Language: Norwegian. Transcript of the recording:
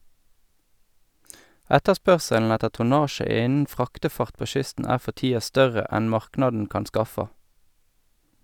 Etterspørselen etter tonnasje innan fraktefart på kysten er for tida større enn marknaden kan skaffa.